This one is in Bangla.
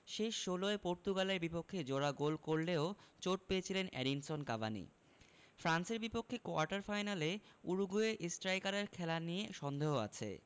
শেষ ষোলোয় পর্তুগালের বিপক্ষে জোড়া গোল করলেও চোট পেয়েছিলেন এডিনসন কাভানি ফ্রান্সের বিপক্ষে কোয়ার্টার ফাইনালে উরুগুয়ে স্ট্রাইকারের খেলা নিয়ে সন্দেহ আছে